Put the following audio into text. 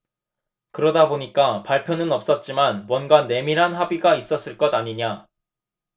그러다 보니까 발표는 없었지만 뭔가 내밀한 합의가 있었을 것 아니냐